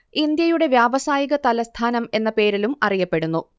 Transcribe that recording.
ഇന്ത്യയുടെ വ്യാവസായിക തലസ്ഥാനം എന്ന പേരിലും അറിയപ്പെടുന്നു